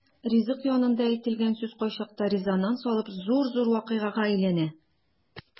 Ризык янында әйтелгән сүз кайчакта резонанс алып зур-зур вакыйгага әйләнә.